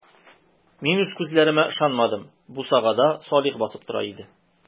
Мин үз күзләремә ышанмадым - бусагада Салих басып тора иде.